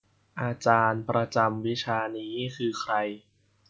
อาจารย์ประจำวิชานี้คือใคร